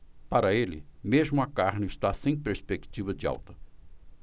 para ele mesmo a carne está sem perspectiva de alta